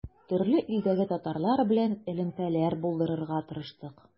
Төрле илдәге татарлар белән элемтәләр булдырырга тырыштык.